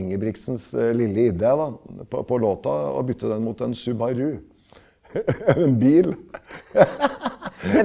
Ingebrigtsens lille idé da på på låta og bytta den mot en Subaru en bil .